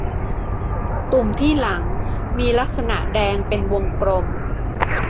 ตุ่มที่หลังมีลักษณะแดงเป็นวงกลม